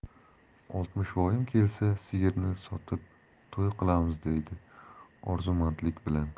oltmishvoyim kelsa sigirni sotib to'y qilamiz deydi orzumandlik bilan